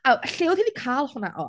A lle oedd hi 'di cael hwnna o?